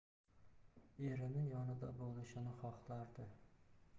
erini yonida bo'lishini xohlardi